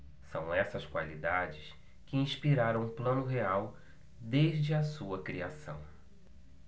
são essas qualidades que inspiraram o plano real desde a sua criação